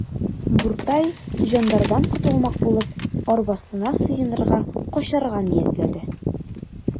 Буртай жандардан котылмак булып, арбасына сыенырга, качарга ниятләде.